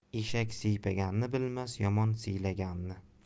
eshak siypaganni bilmas yomon siylaganni